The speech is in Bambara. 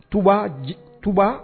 Tuba, tuba